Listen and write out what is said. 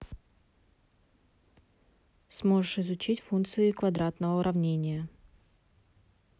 сможешь изучить функции квадратного уравнения